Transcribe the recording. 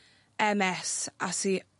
Em Ess, a es i...